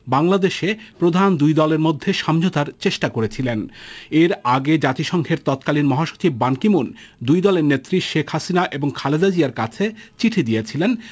বাংলাদেশের প্রধান দুই দলের মধ্যে সমঝোতার চেষ্টা করেছিলেন এর আগে জাতিসংঘের তৎকালীন মহাসচিব বান কি মুন দুই দলের নেত্রী শেখ হাসিনা এবং খালেদা জিয়ার কাছে চিঠি দিয়েছিলেন